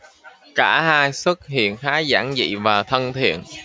cả hai xuất hiện khá giản dị và thân thiện